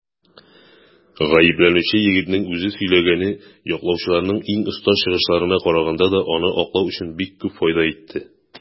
Гаепләнүче егетнең үзе сөйләгәне яклаучыларның иң оста чыгышларына караганда да аны аклау өчен бик күп файда итте.